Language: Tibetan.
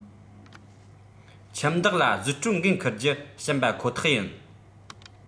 ཁྱིམ བདག ལ བཟོས སྤྲོད འགན འཁུར རྒྱུ བྱིན པ ཁོ ཐག ཡིན